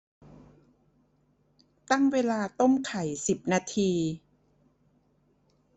ตั้งเวลาต้มไข่สิบนาที